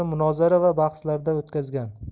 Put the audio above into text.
munozara va bahslarda o'tkazgan